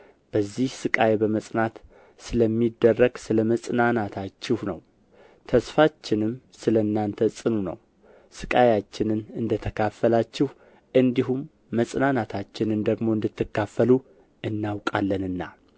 በዚያ ሥቃይ በመጽናት ስለሚደረግ ስለ መጽናናታችሁ ነው ተስፋችንም ስለ እናንተ ጽኑ ነው ሥቃያችንን እንደ ተካፈላችሁ እንዲሁም መጽናናታችንን ደግሞ እንድትካፈሉ እናውቃለንና